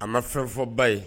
A ma fɛn fɔ ba ye